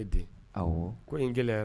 Ne den. Awɔ. Ko in gɛlɛy